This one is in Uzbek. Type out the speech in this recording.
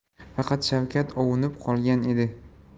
faqat shavkat ovunib qolgan edi